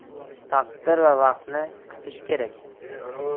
taqdir va vaqtni kutish kerak